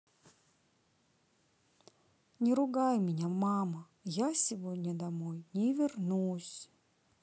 не ругай меня мама я сегодня домой не вернусь